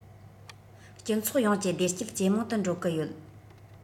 སྤྱི ཚོགས ཡོངས ཀྱི བདེ སྐྱིད ཇེ མང དུ འགྲོ གི ཡོད